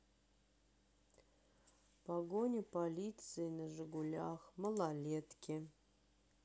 погоня полиции на жигулях малолетки